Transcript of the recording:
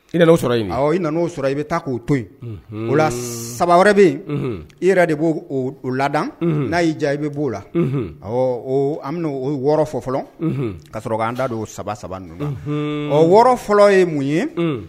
I nana sɔrɔ i i nana o sɔrɔ i bɛ taa k'o to yen o saba wɛrɛ bɛ yen i yɛrɛ de b' la n'a y'i diya i bɛ b'o la an o ye wɔɔrɔ fɔ fɔlɔ ka sɔrɔ k'an da don o saba saba ninnu ɔ wɔɔrɔ fɔlɔ ye mun ye